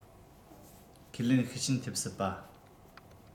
ཁས ལེན ཤུགས རྐྱེན ཐེབས སྲིད པ